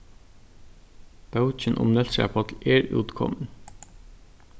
bókin um nólsoyar páll er útkomin